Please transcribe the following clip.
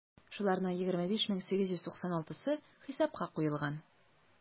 Шуларның 25 мең 896-сы хисапка куелган.